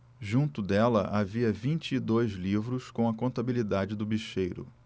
junto dela havia vinte e dois livros com a contabilidade do bicheiro